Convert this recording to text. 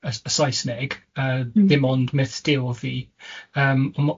y S- y Saesneg yy, ddim ond myth du o'dd 'i, yym ond ma-